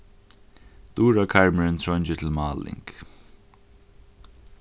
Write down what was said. durakarmurin treingir til máling